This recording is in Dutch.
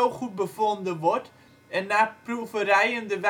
goed bevonden wordt en na proeverijen de